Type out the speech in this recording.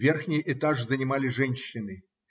Верхний этаж занимали женщины.